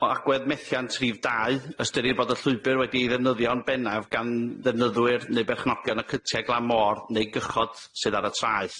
O agwedd methiant rhif dau, ystyrir bod y llwybyr wedi ei ddefnyddio'n bennaf gan ddefnyddwyr neu berchnogion y cytiau glan môr, neu gychod sydd ar y traeth.